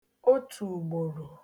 otùùgbòrò